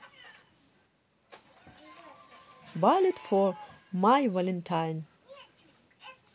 bullet for my valentine